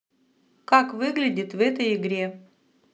как выглядит в этой игре